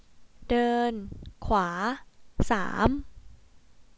เดินขวาสาม